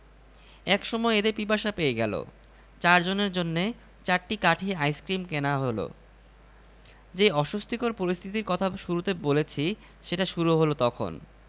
এরকম ভয়াবহ পরিস্থিতিকেই বোধ হয় বেকায়দা অবস্থা বলা হয় এটা এমন একটা অবস্থা যাকে কিছুতেই কায়দা করা যায় না অথচ এমন অবস্থায় অমিদের প্রায় রোজই পড়তে হয়